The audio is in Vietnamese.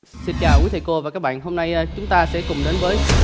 xin chào quý thầy cô và các bạn hôm nay chúng ta sẽ cùng đến với